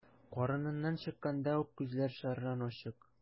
Карыныннан чыкканда ук күзләр шәрран ачык.